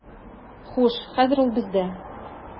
Хуш, хәзер ул бездә.